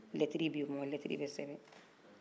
lettre bɛ yen lettre bɛ sɛbɛn